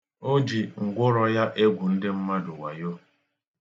O ji ngwụrọ ya egwu ndị mmadụ wayo.